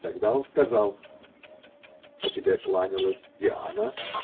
Тогда он сказал: -- А тебе кланялась Диана.